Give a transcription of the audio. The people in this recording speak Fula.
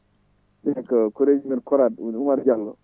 ɓen ko koreji men Korade woni Oumar Diallo